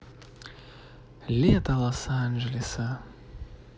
лето лос анджелеса